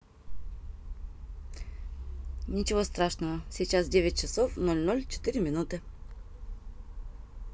ничего страшного сейчас девять часов ноль ноль четыре минуты